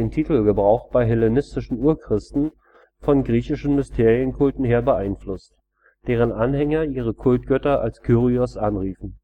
Titelgebrauch bei hellenistischen Urchristen von griechischen Mysterienkulten her beeinflusst, deren Anhänger ihre Kultgötter als Kyrios anriefen